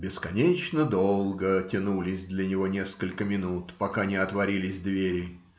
Бесконечно долго тянулись для него несколько минут, пока не отворились двери.